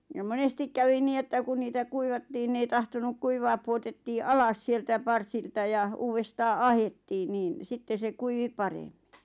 ja monesti kävi niin että kun niitä kuivattiin ne ei tahtonut kuivaa pudotettiin alas sieltä parsilta ja uudestaan ahdettiin niin sitten se kuivui paremmin